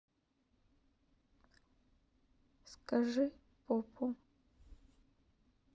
скажи попу